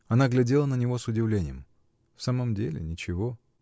Она глядела на него с удивлением: в самом деле — ничего.